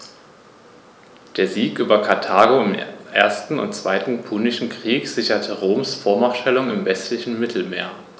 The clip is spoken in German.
Der Sieg über Karthago im 1. und 2. Punischen Krieg sicherte Roms Vormachtstellung im westlichen Mittelmeer.